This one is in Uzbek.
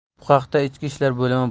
bu haqda ichki ishlar boimi